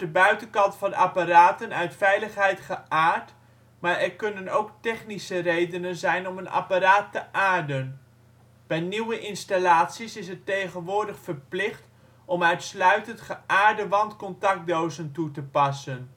buitenkant van apparaten uit veiligheid " geaard ", maar er kunnen ook technische redenen zijn om een apparaat te aarden. Bij nieuwe installaties is het tegenwoordig verplicht om uitsluitend geaarde wandcontactdozen toe te passen